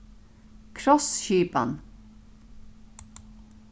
krossskipan